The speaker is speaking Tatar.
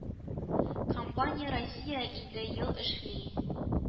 Компания россия инде ел эшли